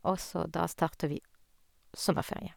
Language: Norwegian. Og så da starter vi sommerferie.